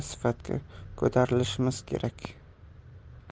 sifatga ko'tarilishimiz kerak